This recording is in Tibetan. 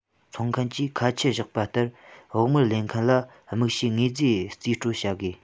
འཚོང མཁན གྱིས ཁ ཆད བཞག པ ལྟར བོགས མར ལེན མཁན ལ དམིགས བྱའི དངོས རྫས རྩིས སྤྲོད བྱ དགོས